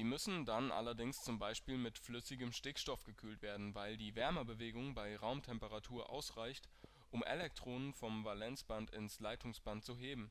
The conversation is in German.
müssen dann allerdings zum Beispiel mit flüssigem Stickstoff gekühlt werden, weil die Wärmebewegung bei Raumtemperatur ausreicht, um Elektronen vom Valenzband ins Leitungsband zu heben.